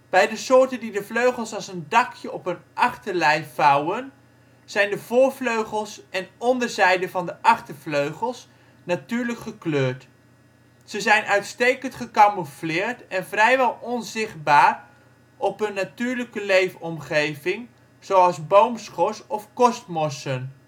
Bij de soorten die de vleugels als een dakje op hun achterlijf vouwen, zijn de voorvleugels en onderzijde van de achtervleugels natuurlijk gekleurd. Ze zijn uitstekend gecamoufleerd en vrijwel onzichtbaar op hun natuurlijke leefomgeving zoals boomschors of korstmossen